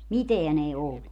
mitään ei ollut